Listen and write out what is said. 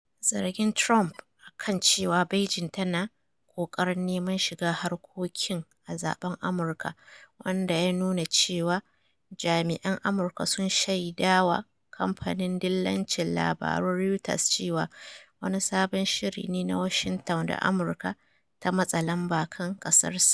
Zargin Trump akan cewa Beijing tana kokarin neman shiga harkokin a zaben Amurka wanda ya nuna cewa jami'an Amurka sun shaida wa kamfanin dillancin labarun Reuters cewa, wani sabon shiri ne na Washington da Amurka ta matsa lamba kan kasar Sin.